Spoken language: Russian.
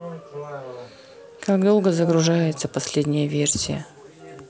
как долго загружается последняя версия